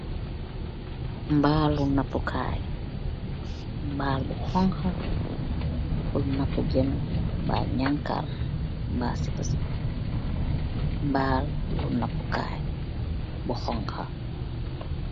Mbaalu napu kai, mbaal bu khonxa, purr napu jen, mba nyankarr, mba sipah sipah. Mbaal purr napu kai, bu khonxa.